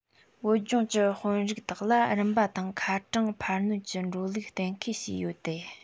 བོད ལྗོངས ཀྱི དཔོན རིགས དག ལ རིམ པ དང ཁ གྲངས འཕར སྣོན གྱི འགྲོ ལུགས གཏན འཁེལ བྱས ཡོད དེ